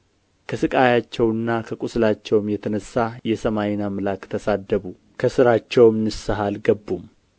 ከስቃያቸውና ከቍስላቸውም የተነሳ የሰማይን አምላክ ተሳደቡ ከስራቸውም ንስሐ አልገቡም